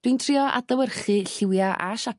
dwi'n trio adlywyrchu lliwia' a